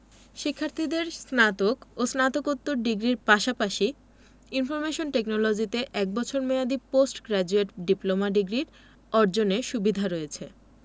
শিক্ষার্থীদের স্নাতক ও স্নাতকোত্তর ডিগ্রির পাশাপাশি ইনফরমেশন টেকনোলজিতে এক বছর মেয়াদি পোস্ট গ্রাজুয়েট ডিপ্লোমা ডিগ্রির অর্জনের সুবিদা রয়েছে